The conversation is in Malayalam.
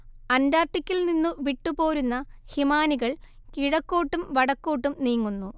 അന്റാർട്ടിക്കിൽനിന്നു വിട്ടുപോരുന്ന ഹിമാനികൾ കിഴക്കോട്ടും വടക്കോട്ടും നീങ്ങുന്നു